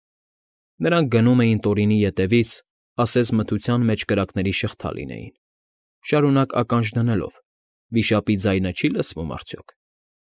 Նրանք գնում էին Տորինի ետևից, ասես մթության մեջ կրակների շղթա լինեին, շարունակ ականջ դնելով՝ վիշապի ձայնը չի՞ լսվում արդյոք։